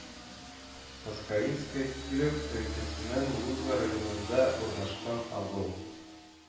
Пасхалинская Киров өлкәсенең Луза районында урнашкан авыл